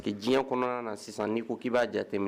Ka diɲɛ kɔnɔna na sisan ni ko k' b'a jateminɛ